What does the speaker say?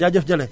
jaa jëf Jalle